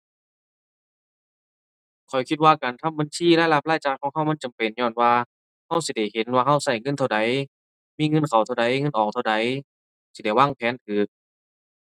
ข้อยคิดว่าการทำบัญชีรายรับรายจ่ายของเรามันจำเป็น ญ้อนว่าเราสิได้เห็นว่าเราเราเงินเท่าใด มีเงินเข้าเท่าใด มีเงินออกเท่าใด สิได้วางแผนเรา